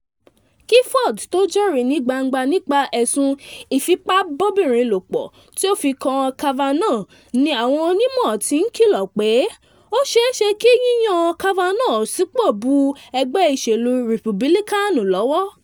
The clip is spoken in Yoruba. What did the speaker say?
Kí Ford tó jẹ́rìí ní gbangba nípa ẹ̀sùn ìfipábóbìnrin lòpọ̀ tí ó fi kan Kavanaugh ni àwọn onímọ̀ ti ń kìlọ̀ pé ó ṣeéṣe kí yíyan Kavanaugh sípò bu ẹgbẹ́ ìṣèlú Rìpúbílíkáànì lọ́wọ́.